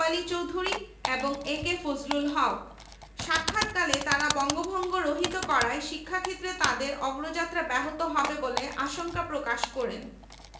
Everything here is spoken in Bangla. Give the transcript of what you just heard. বিলোপের ক্ষতিপূরণ এবং কলকাতা বিশ্ববিদ্যালয়ের বিরোধিতার বিরুদ্ধে সোচ্চার হয়ে তারা ঢাকায় একটি বিশ্ববিদ্যালয় প্রতিষ্ঠার জোর দাবি জানান